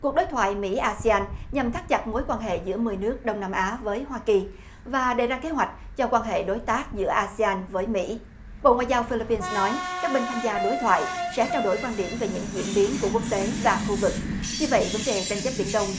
cuộc đối thoại mỹ a si an nhằm thắt chặt mối quan hệ giữa mười nước đông nam á với hoa kỳ và đề ra kế hoạch cho quan hệ đối tác giữa a si an với mỹ bộ ngoại giao phi líp pin nói các bên tham gia đối thoại sẽ trao đổi quan điểm về những diễn biến của quốc tế và khu vực như vậy vấn đề tranh chấp biển đông